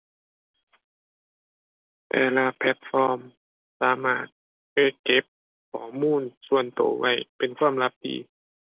แต่ละแพลตฟอร์มสามารถช่วยเก็บข้อมูลส่วนตัวไว้ เป็นความลับดี